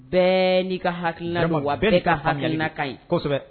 Bɛɛ n'i ka hakiina wa a bɛɛ ne ka hakiina ka ɲi kosɛbɛ